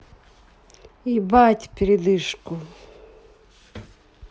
ебать передышку